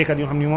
doo leen gis